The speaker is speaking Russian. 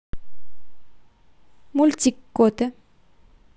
мультик коте